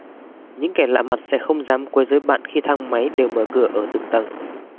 những kẻ lạ mặt sẽ không dám quấy rối bạn khi thang máy đều mở cửa ở từng tầng